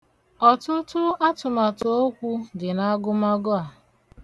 Ọtụtụ atụmatụokwu dị n'agụmagụ a.